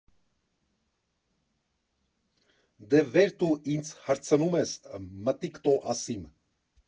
֊ Դե վեր տու ինձ հըրցընումըս, մտիկ տո ասիմ։